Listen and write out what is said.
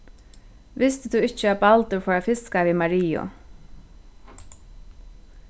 visti tú ikki at baldur fór at fiska við mariu